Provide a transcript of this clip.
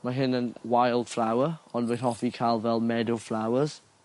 Ma' hyn yn wild flower ond rwy'n hoffi ca'l fel meddow flowers.